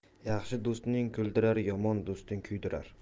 yaxshi do'sting kuldirar yomon do'sting kuydirar